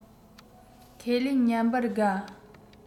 ཁས ལེན ཉན པར དགའ